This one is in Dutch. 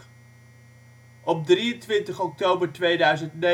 Op 23 oktober 2009